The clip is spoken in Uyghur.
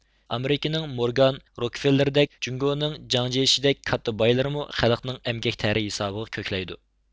ئامېرىكىنىڭ مورگان روكفېللېردەك جۇڭگونىڭ جياڭجيېشىدەك كاتتا بايلىرىمۇ خەلقنىڭ ئەمگەك تەرى ھېسابىغا كۆكلەيدۇ